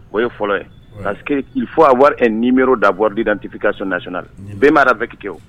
O ye fɔlɔ ye . parceque il faut avoir un numéro d'abord identification nationale E ma ravec kɛ du.